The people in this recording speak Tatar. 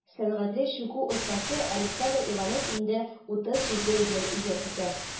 Сәнгатьле чүкү остасы Александр Иванов инде 37 ел иҗат итә.